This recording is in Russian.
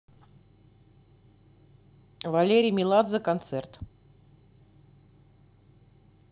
валерий меладзе концерт